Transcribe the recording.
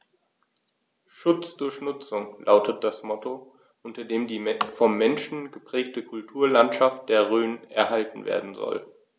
„Schutz durch Nutzung“ lautet das Motto, unter dem die vom Menschen geprägte Kulturlandschaft der Rhön erhalten werden soll.